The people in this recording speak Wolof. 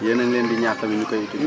yéen a ngi leen di ñaax tamit ñu koy utilisé